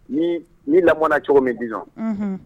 Ni ni lamɛnna cogo min disɔn